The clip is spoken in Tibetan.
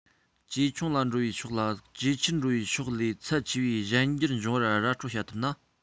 ཇེ ཆུང ལ འགྲོ བའི ཕྱོགས ལ ཇེ ཆེར འགྲོ བའི ཕྱོགས ལས ཚད ཆེ བའི གཞན འགྱུར འབྱུང བར ར སྤྲོད བྱ ཐུབ ན